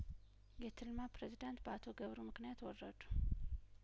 የትልማ ፕሬዚዳንት በአቶ ገብሩ ምክንያት ወረዱ